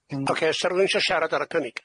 Ocê, s'a rywun isio siarad ar y cynnig?